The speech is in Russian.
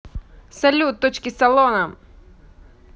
салют точки салоном